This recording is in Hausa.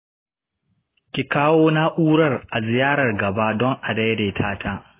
ki kawo na’urar a ziyarar gaba don a daidaita ta.